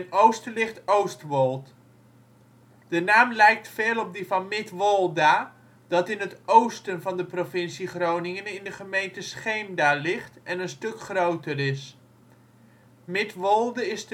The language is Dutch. oosten ligt Oostwold. De naam lijkt veel op die van Midwolda, dat in het oosten van de provincie Groningen in de gemeente Scheemda ligt en een stuk groter is. Midwolde is